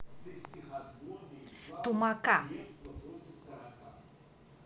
тумака